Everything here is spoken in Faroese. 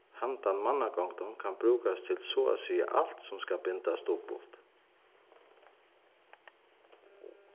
handan mannagongdin kann brúkast til so at siga alt sum skal bindast dupult